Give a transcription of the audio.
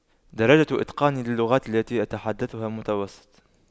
درجة إتقاني للغات التي أتحدثها متوسط